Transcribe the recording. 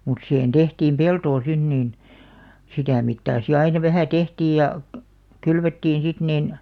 mutta siihen tehtiin peltoa sinne niin sitä mittaa sitten aina vähän tehtiin ja kylvettiin sitten niin